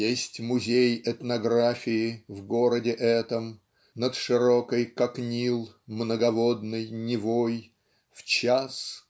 Есть музей этнографии в городе этом Над широкой как Нил многоводной Невой. В час